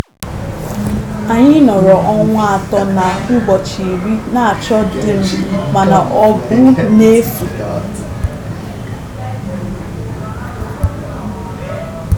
Anyị nọrọ ọnwa atọ na ụbọchị iri na-achọ di m, mana ọ bụ n'efu...